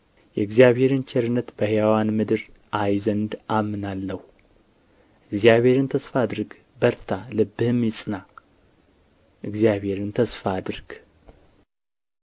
የእግዚአብሔርን ቸርነት በሕያዋን ምድር አይ ዘንድ አምናለሁ እግዚአብሔርን ተስፋ አድርግ በርታ ልብህም ይጽና እግዚአብሔርን ተስፋ አድርግ